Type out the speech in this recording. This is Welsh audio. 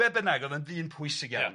Be bynnag o'dd o'n ddyn pwysig iawn... Ia...